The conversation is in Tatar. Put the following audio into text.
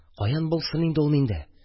– каян булсын инде ул миндә...